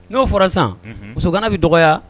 N'o fɔra san musokɔnɔ bɛ dɔgɔ